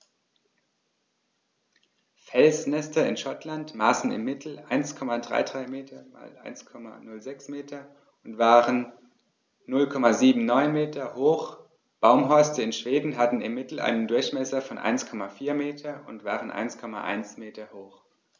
Felsnester in Schottland maßen im Mittel 1,33 m x 1,06 m und waren 0,79 m hoch, Baumhorste in Schweden hatten im Mittel einen Durchmesser von 1,4 m und waren 1,1 m hoch.